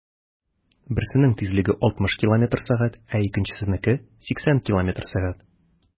Берсенең тизлеге 60 км/сәг, ә икенчесенеке - 80 км/сәг.